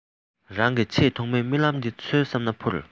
རང གི ཆེས ཐོག མའི རྨི ལམ དེ འཚོལ བསམ ན འཕུར